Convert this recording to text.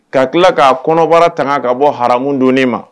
Ka tila k'a kɔnɔbara tanga ka bɔ haraamu dunni ma.